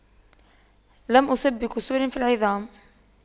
لم أصب بكسور في العظام